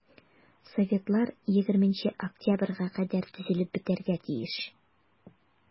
Советлар 20 октябрьгә кадәр төзелеп бетәргә тиеш.